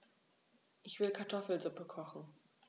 Ich will Kartoffelsuppe kochen.